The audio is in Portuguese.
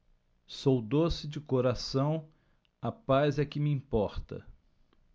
sou doce de coração a paz é que me importa